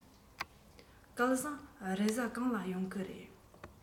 སྐལ བཟང རེས གཟའ གང ལ ཡོང གི རེད